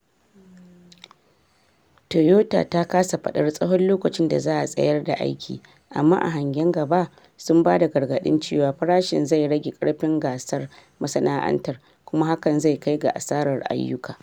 Toyota ta kasa fadan tsawon lokacin da za a sayar da aiki, amma a hangen gaba, sun bada gargadin cewa farashi zai rage karfin gasar masana’antar kuma hakan zai kai ga asarar ayyuka.